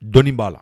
Dɔnnii b'a la